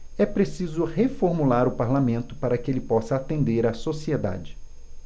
é preciso reformular o parlamento para que ele possa atender a sociedade